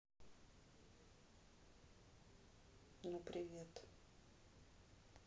ну привет